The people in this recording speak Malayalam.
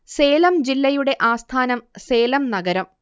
സേലം ജില്ലയുടെ ആസ്ഥാനം സേലം നഗരം